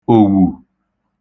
òwù